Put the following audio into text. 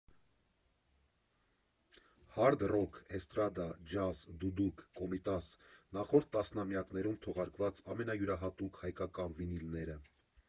Հարդ ռոք, էստրադա, ջազ, դուդուկ, Կոմիտաս՝ նախորդ տասնամյակներում թողարկված ամենայուրահատուկ հայկական վինիլները։